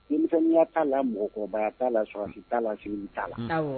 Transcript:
Ya t'a la mɔgɔkɔrɔba' la s t'a la t'a la